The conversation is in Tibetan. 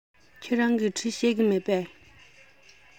ཁྱེད རང གིས འབྲི ཤེས ཀྱི མེད པས